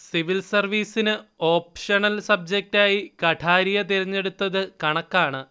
civil സർവീസിന് optional സബ്ജറ്റായി കഠാരിയ തിരഞ്ഞെടുത്തത് കണക്കാണ്